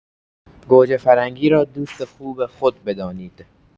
گوجه‌فرنگی را دوست خوب خود بدانید.